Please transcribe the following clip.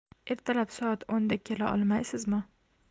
ertalab soat o'nda kela olmaysizmi